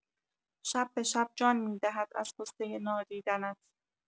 شب به شب جان می‌دهد از غصۀ نادیدنت